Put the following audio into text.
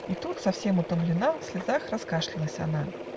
" И тут, совсем утомлена, В слезах раскашлялась она.